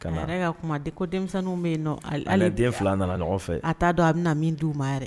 Ka y'a kuma di ko denmisɛnnin bɛ yen ala den fila nana ɲɔgɔn fɛ a t'a dɔn a bɛ na min di' ma yɛrɛ